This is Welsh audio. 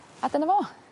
A dyna fo.